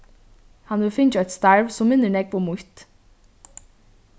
hann hevur fingið eitt starv sum minnir nógv um mítt